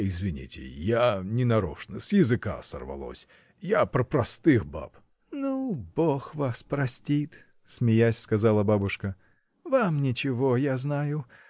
— Извините, я не нарочно: с языка сорвалось! Я про простых баб. — Ну, Бог вас простит! — смеясь, сказала бабушка. — Вам — ничего, я знаю.